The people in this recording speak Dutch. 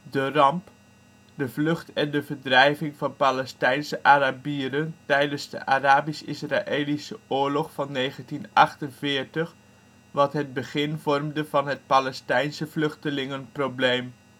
de ramp '), de vlucht en de verdrijving van Palestijnse Arabieren tijdens de Arabisch-Israëlische Oorlog van 1948, wat het begin vormde van het Palestijnse vluchtelingenprobleem